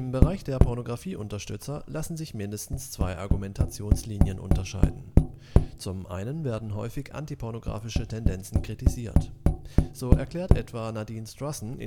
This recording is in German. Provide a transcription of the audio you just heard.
Bereich der Pornografieunterstützer lassen sich mindestens zwei Argumentationslinien unterscheiden. Zum einen werden häufig antipornografische Tendenzen kritisiert. So erklärt etwa Nadine Strossen